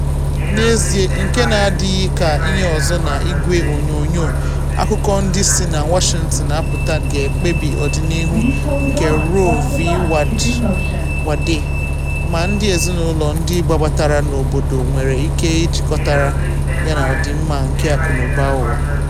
N’ezie, nke na adịghị ka ihe ọzọ na Igwe onyonyoo, akụkọ ndị si na Washington apụta ga-ekpebi ọdịnihu nke Roe v. Wade, ma ndị ezinụlọ ndị gbabatara n’obodo nwere ike ijikọtagharị yana ọdịmma nke akụnụba ụwa.